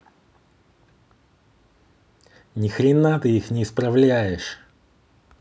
ни хрена ты их не исправляешь